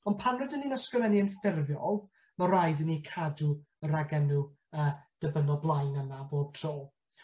ond pan rydyn ni'n ysgrifennu yn ffurfiol ma' raid i ni cadw y ragenw yy dibynnol blaen yna bob tro.